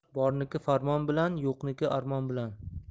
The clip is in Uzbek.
borniki farmon bilan yo'qniki armon bilan